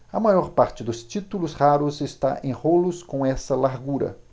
a maior parte dos títulos raros está em rolos com essa largura